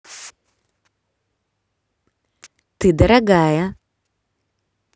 ты дорогая